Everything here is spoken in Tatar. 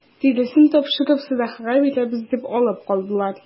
Тиресен тапшырып сәдакага бирәбез дип алып калдылар.